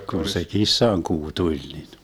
kun se kissankuu tuli niin